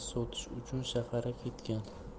sotish uchun shaharga ketgan